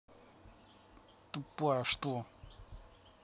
тупая что